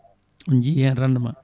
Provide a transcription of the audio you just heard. on jiih hen rendement